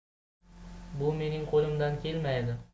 bu mening qo'limdan kelmaydi